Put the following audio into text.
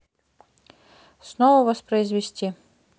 снова воспроизвести